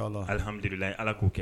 Ali hamila ala k'u kɛ